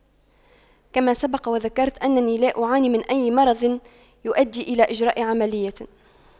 كما سبق وذكرت أنني لا أعاني من أي مرض يؤدي إلى إجراء عملية